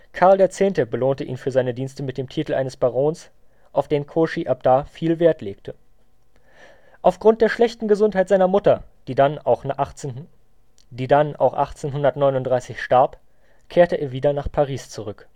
Karl X. belohnte ihn für seine Dienste mit dem Titel eines Barons, auf den Cauchy ab da viel Wert legte. Aufgrund der schlechten Gesundheit seiner Mutter, die dann auch 1839 starb, kehrte er wieder nach Paris zurück